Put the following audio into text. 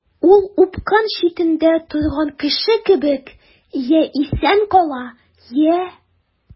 Ул упкын читендә торган кеше кебек— я исән кала, я...